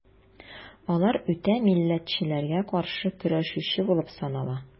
Алар үтә милләтчеләргә каршы көрәшүче булып санала.